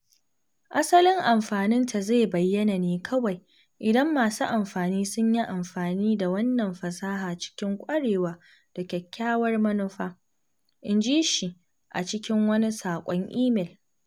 “Asalin amfaninta zai bayyana ne kawai idan masu amfani sun yi amfani da wannan fasaha cikin ƙwarewa da kyakkyawar manufa,” in ji shi a cikin wani saƙon imel.